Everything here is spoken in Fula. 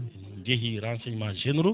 min jeehi renseignement généraux